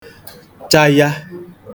chaya